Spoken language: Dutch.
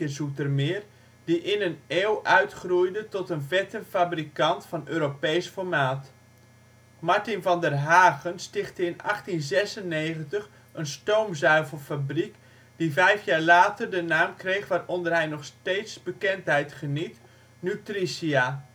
Zoetermeer, die in een eeuw uitgroeide tot een vettenfabrikant van Europees formaat. Martin van der Hagen stichtte in 1896 een stoomzuivelfabriek die vijf jaar later de naam kreeg waaronder hij nog steeds wereldbekenheid geniet: Nutricia